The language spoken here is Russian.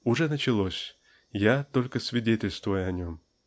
-- уже началось я только свидетельствую о нем.